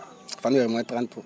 fanweer yi mooy trente pour